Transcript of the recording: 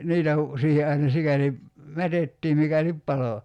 niitä kun siihen aina sikäli mätettiin mikäli paloi